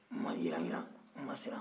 u ma yiranyiran u ma siran